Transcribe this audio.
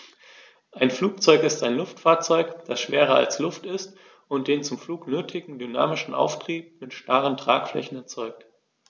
Ein Flugzeug ist ein Luftfahrzeug, das schwerer als Luft ist und den zum Flug nötigen dynamischen Auftrieb mit starren Tragflächen erzeugt.